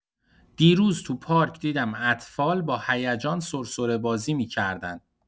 دیروز تو پارک دیدم اطفال با هیجان سرسره بازی می‌کردن.